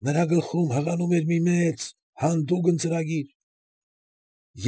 Նրա գլխում հղանում էր մի մեծ, հանդուգն ծրագիր։